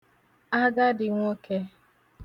agadī nwokẹ̄